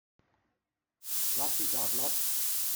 ล็อคที่จอดรถ